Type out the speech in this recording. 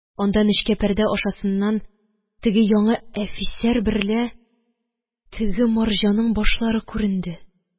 Анда нечкә пәрдә ашасыннан теге яңы әфисәр берлә теге марҗаның башлары күренде.